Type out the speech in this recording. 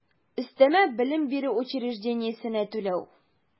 Өстәмә белем бирү учреждениесенә түләү